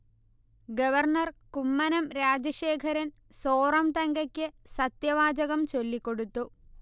governor Kummanam Rajasekharan Zoram തങ്കയ്ക്ക് സത്യവാചകം ചൊല്ലിക്കൊടുത്തു